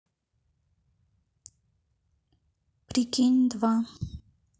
прикинь два